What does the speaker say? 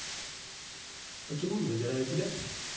покемон выбираю тебя